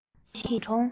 འོག གི ཞིང གྲོང